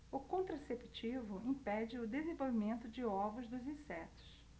o contraceptivo impede o desenvolvimento de ovos dos insetos